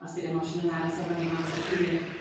os 'di'r emosiwn yn aros efo ni am amsar hir